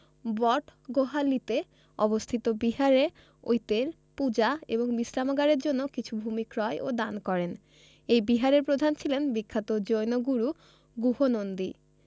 বটগোহালীতে অবস্থিত বিহারে অইতের পূজা এবং বিশ্রামাগারের জন্য কিছু ভূমি ক্রয় ও দান করেন এই বিহারের প্রধান ছিলেন বিখ্যাত জৈন গুরু গুহনন্দী